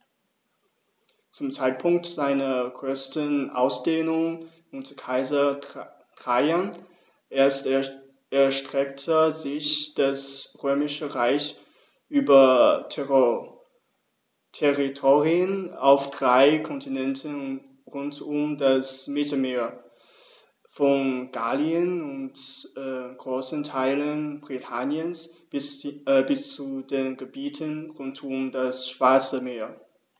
Zum Zeitpunkt seiner größten Ausdehnung unter Kaiser Trajan erstreckte sich das Römische Reich über Territorien auf drei Kontinenten rund um das Mittelmeer: Von Gallien und großen Teilen Britanniens bis zu den Gebieten rund um das Schwarze Meer.